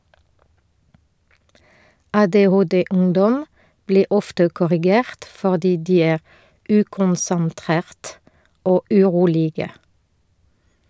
- ADHD-ungdom blir ofte korrigert fordi de er ukonsentrerte og urolige.